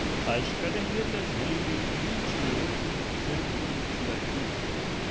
as cadernetas rendem vinte e oito por cento no dia quinze